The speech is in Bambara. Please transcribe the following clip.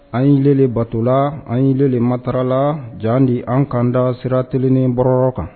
An y'ile le batola an y'ile le matarala jan di an kan da sira telenin bɔrɔrɔ kan